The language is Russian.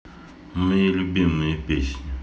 мои любимые песни